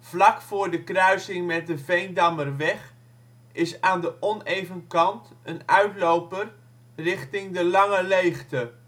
Vlak voor de kruising met de Veendammerweg is er aan de oneven kant een uitloper richting de Langeleegte